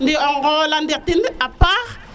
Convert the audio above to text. ndi o ŋola ɗikin a pax